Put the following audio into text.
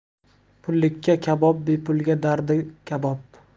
pullikka kabob bepulga dardi kabob